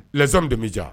Zsanon bɛ bɛjan